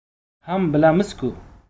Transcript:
ham bilamizku